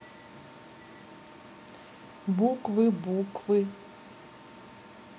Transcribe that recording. буквы буквы